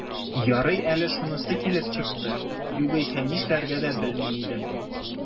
Ярый әле шунысы килеп чыкты, югыйсә, нишләргә дә белми идем...